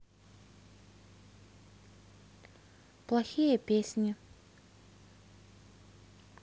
плохие песни